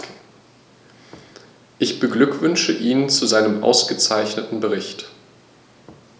Ich beglückwünsche ihn zu seinem ausgezeichneten Bericht.